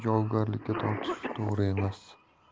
javobgarlikka tortish to'g'ri emas